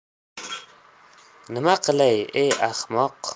nima qilay ey ahmoq